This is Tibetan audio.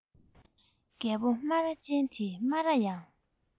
རྒད པོ སྨ ར ཅན དེས སྨ ར ཡང